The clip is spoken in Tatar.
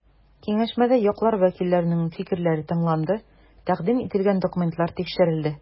Киңәшмәдә яклар вәкилләренең фикерләре тыңланды, тәкъдим ителгән документлар тикшерелде.